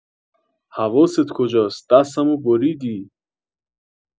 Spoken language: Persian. حواست کجاست دستمو بریدی